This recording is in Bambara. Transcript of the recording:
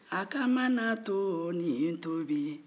a mana toonin tobi